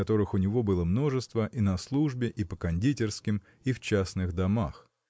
которых у него было множество и на службе и по кондитерским и в частных домах.